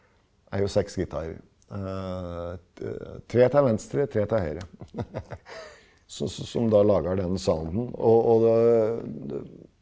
er jo seks gitarer tre til venstre, tre til høyre så som da lager den sounden og og det .